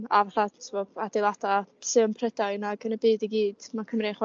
yym a fatha t'wo adeilada' sy' yn Prydain ac yn y byd i gyd ma' Cymru'n chwara'